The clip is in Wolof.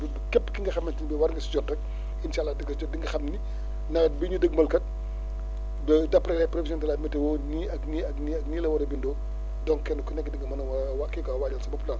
képp ki nga xamante ne bii war nga si jot rek incha allah di nga jot di nga xam ni nawet bii ñu dëgmal kat d' après les prévisions de la météo nii ak nii ak nii ak nii la war a bindoo donc kenn ku nekk di nga mën a waa kii quoi wajal sa bopp daal